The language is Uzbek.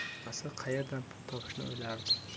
chamasi qayerdan pul topishni o'ylardi